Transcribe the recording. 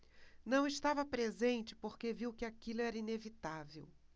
não estava presente porque viu que aquilo era inevitável